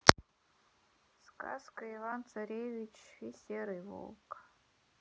сказка иван царевич и серый волк